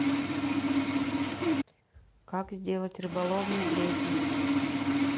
как сделать рыболовный бредень